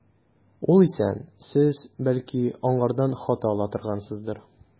Ул исән, сез, бәлки, аңардан хат ала торгансыздыр.